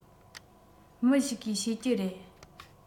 མི ཞིག གིས ཤེས ཀྱི རེད